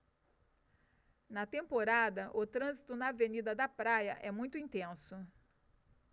na temporada o trânsito na avenida da praia é muito intenso